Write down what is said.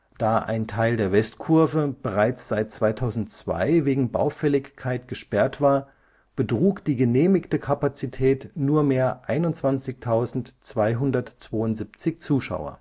Da ein Teil der Westkurve bereits seit 2002 wegen Baufälligkeit gesperrt war, betrug die genehmigte Kapazität nur mehr 21.272 Zuschauer